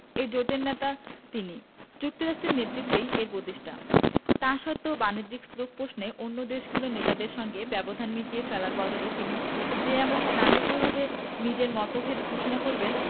এই জোটের নেতা তিনি যুক্তরাষ্ট্রের নেতৃত্বেই এর প্রতিষ্ঠা তা সত্ত্বেও বাণিজ্য শুল্ক প্রশ্নে অন্য দেশগুলোর নেতাদের সঙ্গে ব্যবধান মিটিয়ে ফেলার বদলে তিনি যে এমন নাটকীয়ভাবে নিজের মতভেদ ঘোষণা করবেন